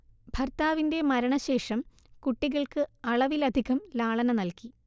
ഭർത്താവിന്റെ മരണശേഷം കുട്ടികൾക്ക് അളവിലധികം ലാളന നല്കി